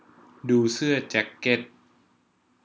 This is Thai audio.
ดูเสื้อแจ็คเก็ต